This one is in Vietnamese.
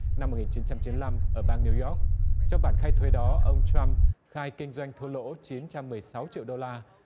năm một nghìn chín trăm chín lăm ở bang niu oóc trong bản khai thuế đó ông trăm khai kinh doanh thua lỗ chín trăm mười sáu triệu đô la